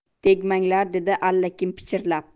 tegmanglar dedi allakim pichirlab